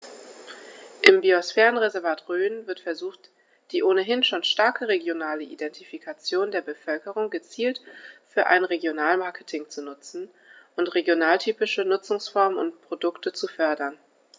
Im Biosphärenreservat Rhön wird versucht, die ohnehin schon starke regionale Identifikation der Bevölkerung gezielt für ein Regionalmarketing zu nutzen und regionaltypische Nutzungsformen und Produkte zu fördern.